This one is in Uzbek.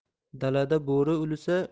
dalada bo'ri ulisa